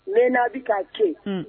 Min na bɛ ka ce